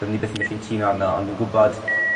byddwn ni byth yn gallu tuno arno ond fi'n gwbod